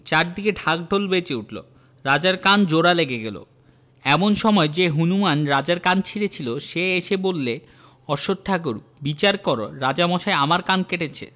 চারদিকে ঢাক ঢোল বেজে উঠল রাজার কান জোড়া লেগে গেল এমন সময় যে হনুমান রাজার কান ছিঁড়েছিল সে এসে বললে অশ্বথ ঠাকুর বিচার কর রাজামশায় আমার কান কেটেছে